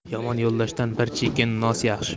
yomon yo'ldoshdan bir chekim nos yaxshi